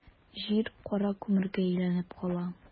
Җир кара күмергә әйләнеп кала.